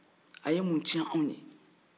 a ye mun tiɲɛ an ye